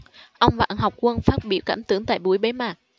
ông vạn học quân phát biểu cảm tưởng tại buổi bế mạc